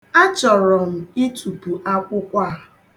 Achọrọ m ịtụpu akwụkwọ a.